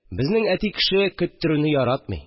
Безнең әти кеше көттерүне яратмый